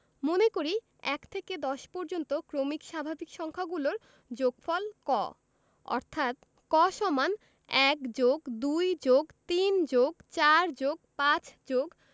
মনে করি ১ থেকে ১০ পর্যন্ত ক্রমিক স্বাভাবিক সংখ্যাগুলোর যোগফল ক অর্থাৎ ক = ১+২+৩+৪+৫+